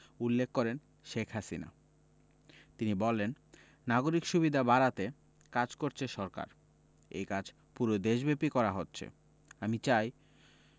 উল্লেখ করেন শেখ হাসিনা তিনি বলেন নাগরিক সুবিধা বাড়াতে কাজ করছে সরকার এই কাজ পুরো দেশব্যাপী করা হচ্ছে আমি চাই